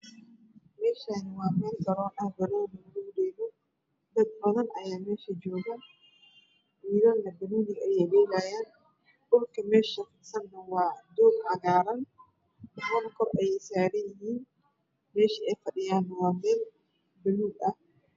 Meeshaani waa meel garoon ah banooni lagu dheelo dad badan ayaa meesha jooga wiilana banooni ayey dheelayaan dhulka meesha roog cagaaran qaarna kor ayey saaran yihiin meesha ay fadhiyaana waa meel buluug ah